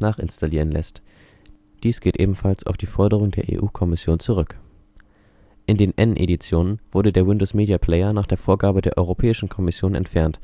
nachinstallieren lässt. Dies geht ebenfalls auf die Forderung der EU-Kommission zurück. In den N Editionen wurde der Windows Media Player nach der Vorgabe der Europäischen Kommission entfernt,